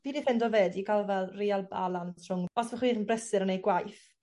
Fi 'di ffindo 'fyd i ga'l fel rîl balans rhwng os bo' chi'n brysur yn neud gwaith